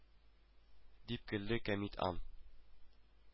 Дип көлде кәмит ан